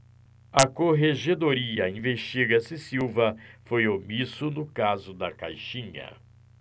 a corregedoria investiga se silva foi omisso no caso da caixinha